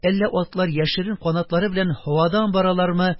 Әллә атлар яшерен канатлары белән һавадан баралармы